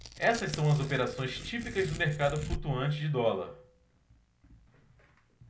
essas são as operações típicas do mercado flutuante de dólar